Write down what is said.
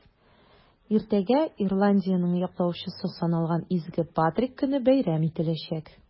Иртәгә Ирландиянең яклаучысы саналган Изге Патрик көне бәйрәм ителәчәк.